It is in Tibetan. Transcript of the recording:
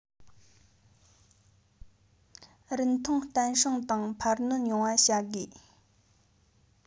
རིན ཐང བརྟན སྲུང དང འཕར སྣོན ཡོང བ བྱ དགོས